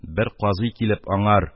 Бер казый килеп, аңар: